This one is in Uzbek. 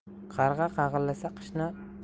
qarg'a qag'illasa qishni